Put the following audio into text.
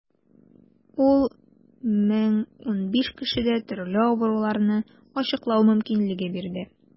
Ул 1015 кешедә төрле авыруларны ачыклау мөмкинлеге бирде.